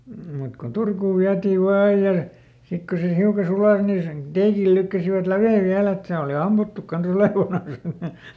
mutta kun Turkuun vietiin vain aina ja sitten kun se hiukan suli niin sen teikillä lykkäsivät läven vielä että se oli ammuttu kanssa olevanansa